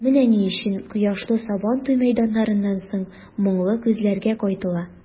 Менә ни өчен кояшлы Сабантуй мәйданнарыннан соң моңлы күзләргә кайтыла.